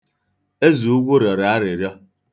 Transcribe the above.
Ezeugwu rịọrọ arịrịọ.